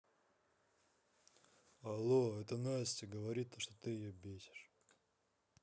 алло это настя говорит то что ты ее бесишь